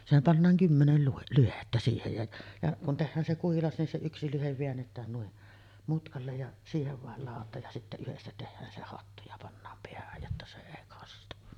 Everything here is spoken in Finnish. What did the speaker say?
sehän pannaan kymmenen - lyhdettä siihen ja ja kun tehdään se kuhilas niin se yksi lyhde väännetään noin mutkalle ja siihen vain ladotaan ja sitten yhdestä tehdään se hattu ja pannaan päähän jotta se ei kastu